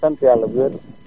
sant Yàlla bu wér